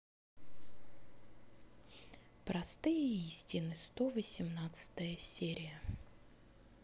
простые истины сто восемнадцатая серия